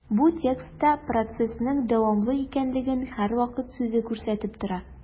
Бу текстта процессның дәвамлы икәнлеген «һәрвакыт» сүзе күрсәтеп тора.